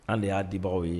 An de y'a dibagaw ye